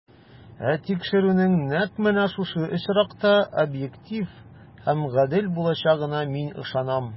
Ә тикшерүнең нәкъ менә шушы очракта объектив һәм гадел булачагына мин ышанам.